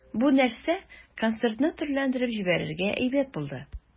Бу нәрсә концертны төрләндереп җибәрергә әйбәт булды.